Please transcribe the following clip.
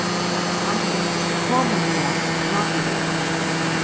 hann er fullkomiliga láturligur